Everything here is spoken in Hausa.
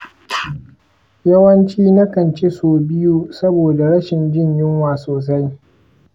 yawanci nakan ci sau biyu saboda rashin jin yunwa sosai.